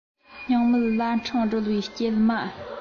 སྙིང མེད ལ འཕྲང སྒྲོལ བའི སྐྱེལ མ